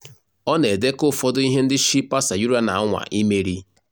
Ọ na-edekọ ụfọdụ ihe ndị Shilpa Sayura na-anwa imeri.